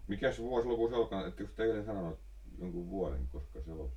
mikäs vuosiluku se olikaan ettekös te eilen sanonut jonkun vuoden koska se oli